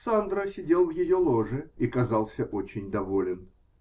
*** Сандро сидел в ее ложе и казался очень доволен.